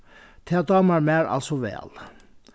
tað dámar mær altso væl